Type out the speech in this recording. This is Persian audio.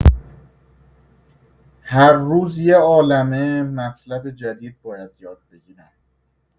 هر روز یه عالمه مطلب جدید باید یاد بگیرم